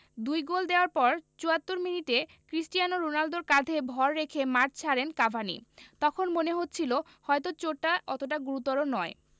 দুই গোল দেওয়ার পর ৭৪ মিনিটে ক্রিস্টিয়ানো রোনালদোর কাঁধে ভর রেখে মাঠ ছাড়েন কাভানি তখন মনে হচ্ছিল হয়তো চোটটা অতটা গুরুতর নয়